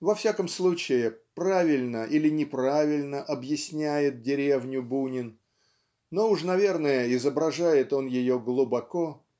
Во всяком случае, правильно или неправильно объясняет деревню Бунин но уж наверное изображает он ее глубоко